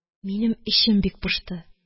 Минем эчем бик пошты